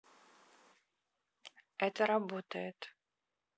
это работает